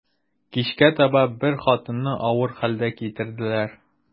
Кичкә таба бер хатынны авыр хәлдә китерделәр.